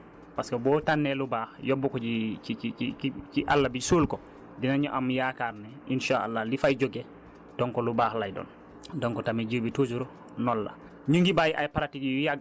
foofu dañuy tànn tànn boobu dafa am lu ñu ciy séntu parce que boo tànnee lu baax yóbbu ko ci ci ci ci àll bi suul ko dinañu am yaakaar ne insaa àllaa li fay jóge donc lu baax lay doon